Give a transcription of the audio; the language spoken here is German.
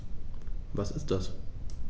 Was ist das?